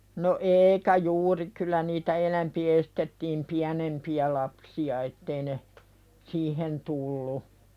no eikä juuri kyllä niitä enempi estettiin pienempiä lapsia että ei ne siihen tullut